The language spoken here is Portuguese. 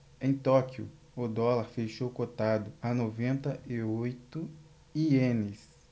em tóquio o dólar fechou cotado a noventa e oito ienes